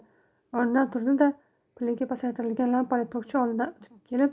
o'rnidan turdi da piligi pasaytirilgan lampali tokcha oldidan o'tib kelib